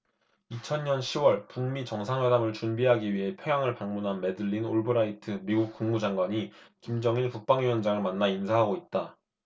이천 년 시 월 북 미 정상회담을 준비하기 위해 평양을 방문한 매들린 올브라이트 미국 국무장관이 김정일 국방위원장을 만나 인사하고 있다